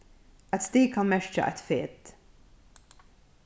eitt stig kann merkja eitt fet